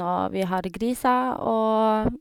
Og vi har griser, og...